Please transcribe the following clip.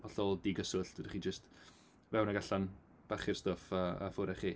Hollol digyswllt, fedrwch chi jyst mewn ac allan - bachu'r stwff a a ffwrdd a chi.